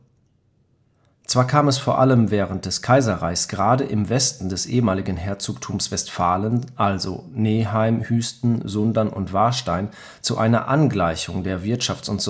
Zwar kam es vor allem während des Kaiserreichs gerade im Westen des ehemaligen Herzogtums Westfalen (Neheim, Hüsten, Sundern und Warstein) zu einer Angleichung der Wirtschafts - und